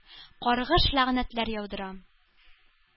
Каргыш-ләгънәтләр яудырам.